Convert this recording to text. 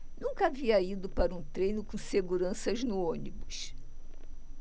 nunca havia ido para um treino com seguranças no ônibus